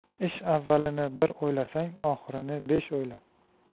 ish avvalini bir o'ylasang oxirini besh o'yla